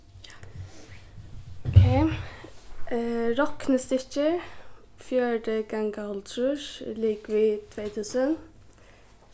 ókey roknistykkir fjøruti ganga hálvtrýss er ligvið tvey túsund